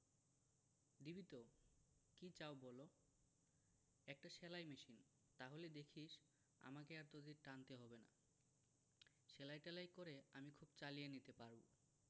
দিবি তো কি চাও বলো একটা সেলাই মেশিন তাহলে দেখিস আমাকে আর তোদের টানতে হবে না সেলাই টেলাই করে আমি খুব চালিয়ে নিতে পারব